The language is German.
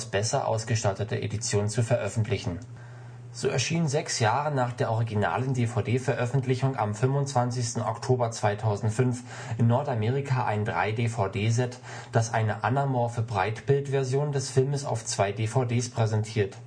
besser ausgestattete Edition zu veröffentlichen. So erschien sechs Jahre nach der originalen DVD-Veröffentlichung am 25. Oktober 2005 in Nordamerika ein 3-DVD-Set, das eine anamorphe Breitbild-Version des Filmes auf zwei DVDs präsentiert